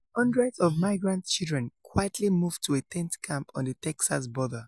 Hundreds of Migrant Children Quietly Moved to a Tent Camp on the Texas Border